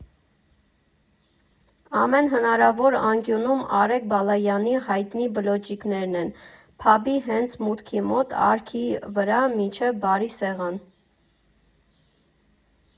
Ամեն հնարավոր անկյունում Արեգ Բալայանի հայտնի բլոճիկներն են՝ փաբի հենց մուտքի մոտ արկի վրա, մինչև բարի սեղան։